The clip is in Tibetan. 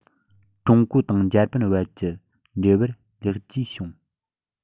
ཀྲུང གོ དང འཇར པན བར གྱི འབྲེལ བར ལེགས བཅོས བྱུང